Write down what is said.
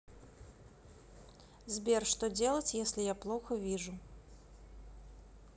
сбер что делать если я плохо вижу